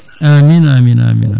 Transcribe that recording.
amine amine amine